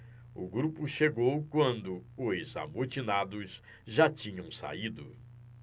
o grupo chegou quando os amotinados já tinham saído